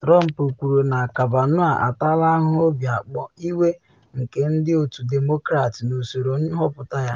Trump kwuru na Kavanaugh “ataala ahụhụ obi akpọ, iwe” nke ndị Otu Demokrat n’usoro nhọpụta ya.